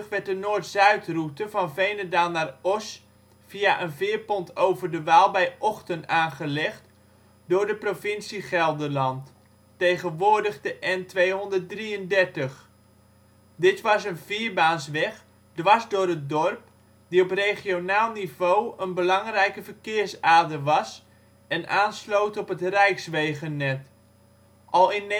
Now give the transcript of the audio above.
werd de noord-zuidroute van Veenendaal naar Oss via een veerpont over de Waal bij Ochten aangelegd door de provincie Gelderland, tegenwoordig de N233. Dit was een vierbaansweg - dwars door het dorp - die op regionaal niveau een belangrijke verkeersader was en aansloot op het rijkswegennet. Al in